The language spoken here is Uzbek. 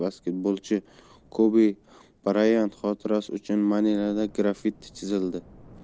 basketbolchi kobi brayant xotirasi uchun manilada graffiti chizildi